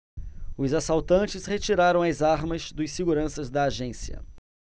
os assaltantes retiraram as armas dos seguranças da agência